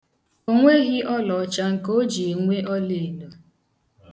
O nweghị olọọcha nke o ji enwe ọleedo.